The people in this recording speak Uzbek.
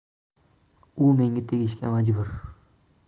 u menga tegishga majbur